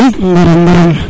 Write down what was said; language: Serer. mbara mbaram